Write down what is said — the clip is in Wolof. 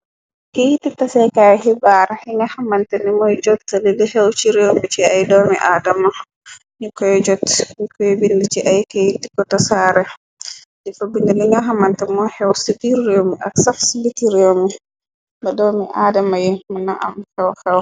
Keyiti taseekaay xibaar xi nga xamante ni muy jottali li xew ci réew bi ci ay doomi aadama ñukoy jott ñi koy bind ci ay keyitikotasaare difa bind liñu xamante moo xew sitir réew mi ak saf sibiti réew mi ba doomi aadama yi mëna am xew-xew.